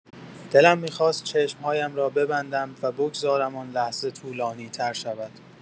دلم می‌خواست چشم‌هایم را ببندم و بگذارم آن لحظه طولانی‌تر شود.